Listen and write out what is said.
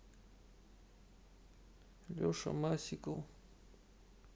леша масикл